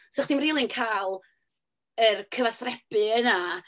So o'ch chdi'm rili'n cael yr cyfathrebu yna.